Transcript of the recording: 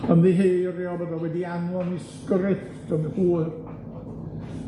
Ymddiheurio fod o wedi anfon 'i sgript yn hwyr.